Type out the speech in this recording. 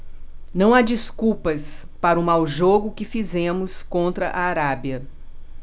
não há desculpas para o mau jogo que fizemos contra a arábia